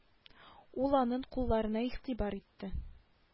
Ул аның кулларына игътибар итте